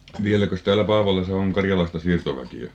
vieläkös täällä Paavolassa on karjalaista siirtoväkeä